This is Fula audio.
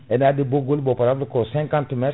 ene addi ɓoggol mo pa* ko 50 métres